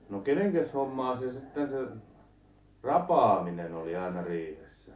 no kenenkäs hommaa se sitten se rapaaminen oli aina riihessä